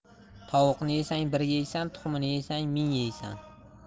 tovuqni yesang bir yeysan tuxumini yesang ming yeysan